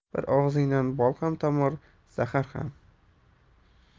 bir og'izdan bol ham tomar zahar ham